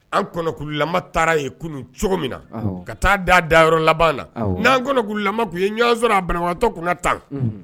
An kɔnɔkulula taara ye kunun cogo min na ka taa da da yɔrɔ laban n'an kɔnɔkulula' ye ɲ sɔrɔ a banagantɔ tun ka tan